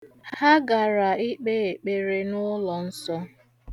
Ha gara ikpe ekpere n'ụlọ nsọ